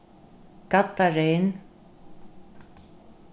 gaddareyn